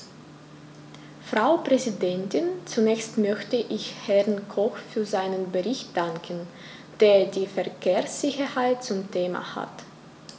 Frau Präsidentin, zunächst möchte ich Herrn Koch für seinen Bericht danken, der die Verkehrssicherheit zum Thema hat.